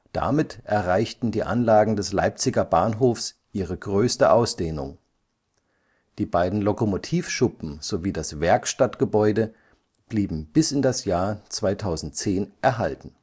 Damit erreichten die Anlagen des Leipziger Bahnhofs ihre größte Ausdehnung. Die beiden Lokomotivschuppen sowie das Werkstattgebäude blieben bis 2010 erhalten